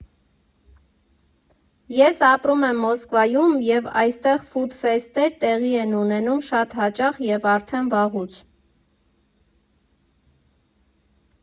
Ես ապրում եմ Մոսկվայում և այստեղ ֆուդ֊ֆեսթեր տեղի են ունենում շատ հաճախ և արդեն վաղուց։